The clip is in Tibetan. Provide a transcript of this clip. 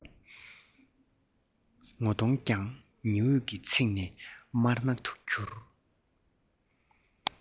ངོ གདོང ཀྱང ཉི འོད ཀྱིས ཚིག ནས དམར ནག ཏུ གྱུར